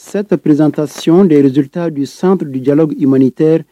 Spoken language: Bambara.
Cette présentation des résultats du centre du dialogue humanitaire